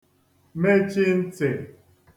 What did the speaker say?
mechi ntị̀